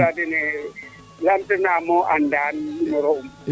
kam layaa dene laamtanaam moo a Ndane numero um